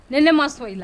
Ni ne ma so i la